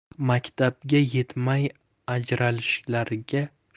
maktabga yetmay ajralishlariga